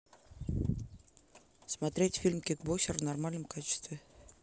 смотреть фильм кикбоксер в нормальном качестве